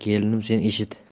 kelinim sen eshit